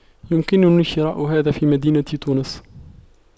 يمكنني شراء هذا في مدينة تونس